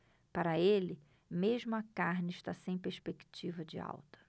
para ele mesmo a carne está sem perspectiva de alta